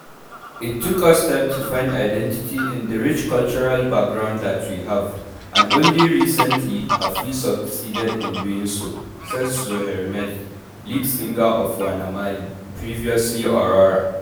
“It took us time to find identity in the rich cultural background that we have, and only recently have we succeeded in doing so” says Zouheir Mejd, lead singer for Wana Mali (previously Aurora).